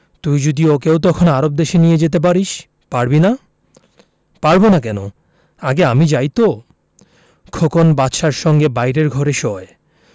নানা নাশতা খেতে খেতে বললেন গরম রুটির মজাই আলাদা শরিফা আর কিছু লাগবে নানা নানা আমার ঔষধের কৌটোটা এনে দাও বুবু